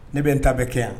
Ne bɛ n ta bɛ kɛ yan